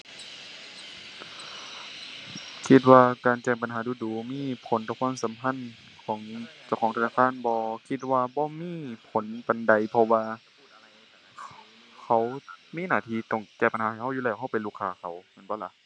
คิดว่าการแจ้งปัญหาดู๋ดู๋มีผลต่อความสัมพันธ์ของเจ้าของธนาคารบ่ คิดว่าบ่มีผลปานใดเพราะว่าเขามีหน้าที่ต้องแก้ปัญหาให้เราอยู่แล้ว เราเป็นลูกค้าเขา แม่นบ่ล่ะ